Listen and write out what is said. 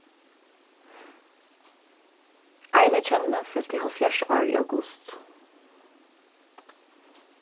ein eg kenni fylti hálvfjerðs ár í august